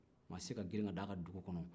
maa tɛ se ka girin ka don a ka dugu kɔnɔ